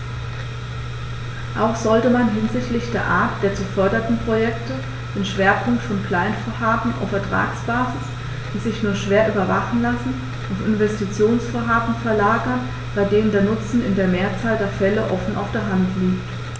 Auch sollte man hinsichtlich der Art der zu fördernden Projekte den Schwerpunkt von Kleinvorhaben auf Ertragsbasis, die sich nur schwer überwachen lassen, auf Investitionsvorhaben verlagern, bei denen der Nutzen in der Mehrzahl der Fälle offen auf der Hand liegt.